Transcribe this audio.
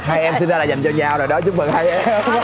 hai em sinh ra là dành cho nhau rồi đó chúc mừng hai em